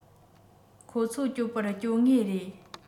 ཁོ ཚོ སྐྱོབ པར བསྐྱོད ངེས རེད